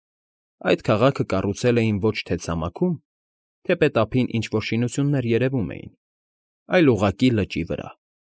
Այդ քաղաքը կառուցել էին ոչ թե ցամաքում (թեպետ ափին ինչ֊որ շինություններ երևում էին), այլ ուղղակի լճի վրա։